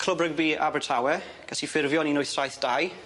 Clwb rygbi Abertawe gas 'i ffurfio yn un wyth saith dau.